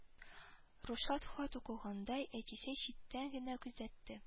Рушан хат укыганда әтисе читтән генә күзәтте